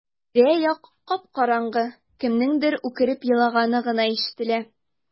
Тирә-як кап-караңгы, кемнеңдер үкереп елаганы гына ишетелә.